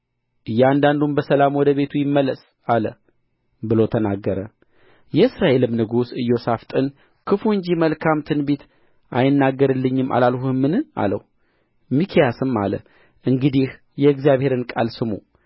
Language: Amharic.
እያንዳንዱም በሰላም ወደ ቤቱ ይመለስ አለ ብሎ ተናገረ የእስራኤልም ንጉሥ ኢዮሣፍጥን ክፉ እንጂ መልካም ትንቢት አይናገርልኝም አላልሁህምን አለው ሚክያስም አለ እንግዲህ የእግዚአብሔርን ቃል ስሙ